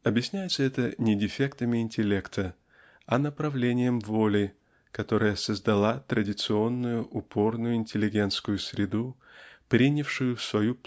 Объясняется это не дефектами интеллекта а направлением воли которая создала традиционную упорную интеллигентскую среду принявшую в свою